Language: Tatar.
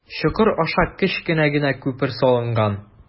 Чокыр аша кечкенә генә күпер салынган.